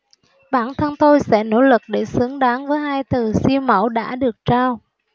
bản thân tôi sẽ nỗ lực để xứng đáng với hai từ siêu mẫu đã được trao